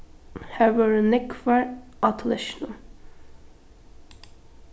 har vóru nógvar á tallerkinum